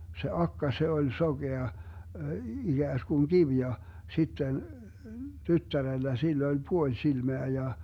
se akka se oli sokea ikään kuin kivi ja sitten tyttärellä sillä oli puoli silmää ja